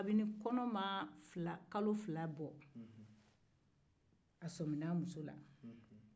kabini kɔnɔ ma kalo fila bɔ a sɔmina a muso la